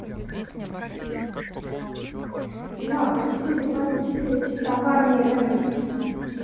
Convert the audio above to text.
влад а четыре двадцать четыре часа в армии and